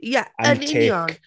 Ie, yn union!